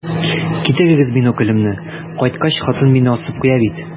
Китерегез биноклемне, кайткач, хатын мине асып куя бит.